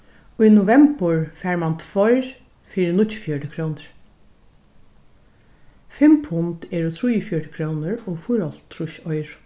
í novembur fær mann tveir fyri níggjuogfjøruti krónur fimm pund eru trýogfjøruti krónur og fýraoghálvtrýss oyru